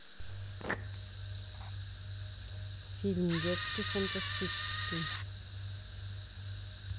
фильм детский фантастический